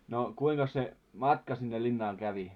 no kuinkas se matka sinne linnaan kävi